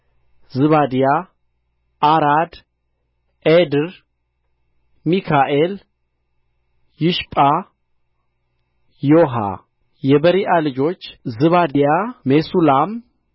ዝባድያ ዓራድ ዔድር ሚካኤል ይሽጳ ዮሐ የበሪዓ ልጆች ዝባድያ ሜሱላም